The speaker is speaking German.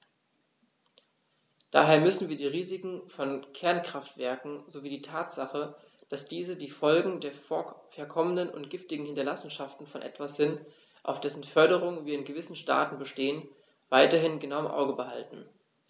Daher müssen wir die Risiken von Kernkraftwerken sowie die Tatsache, dass diese die Folgen der verkommenen und giftigen Hinterlassenschaften von etwas sind, auf dessen Förderung wir in gewissen Staaten bestehen, weiterhin genau im Auge behalten.